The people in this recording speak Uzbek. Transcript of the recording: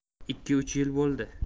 ikki uch yil bo'ldi